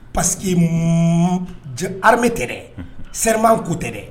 Parce que mmm je armée tɛ dɛ unhun serment kotɛ dɛ